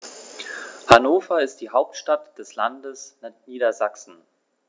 Hannover ist die Hauptstadt des Landes Niedersachsen.